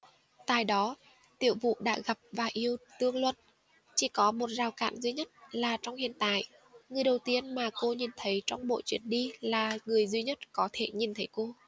tại đó tiểu vũ đã gặp và yêu tương luân chỉ có một rào cản duy nhất là trong hiện tại người đầu tiên mà cô nhìn thấy trong mỗi chuyến đi là người duy nhất có thể nhìn thấy cô